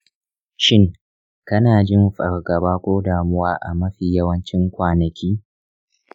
shin kana jin fargaba ko damuwa a mafi yawancin kwanaki?